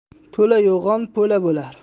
to'la yo'g'on po'la bo'lar